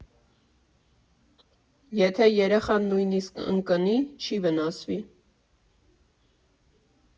Եթե երեխան նույնիսկ ընկնի՝ չի վնասվի։